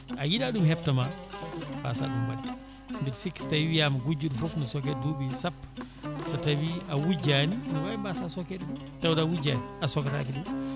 a yiiɗa vum heptoma mbaasa ɗum wadde mbeɗa sikki so tawi wiiyama gujjuɗo foof ne sooke duuɓi sappo so tawi a wujjani ene wawi mbasa sookede tawde a wujjani a sooketake ɗum